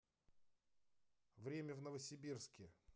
время в новосибирске